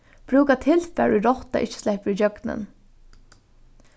brúka tilfar ið rotta ikki sleppur ígjøgnum